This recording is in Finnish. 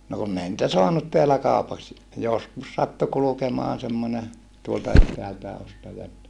no kun ei niitä saanut täällä kaupaksi joskus sattui kulkemaan semmoinen tuolta etäältäkin ostaja että